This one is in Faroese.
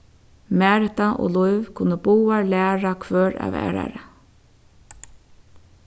marita og lív kunnu báðar læra hvør av aðrari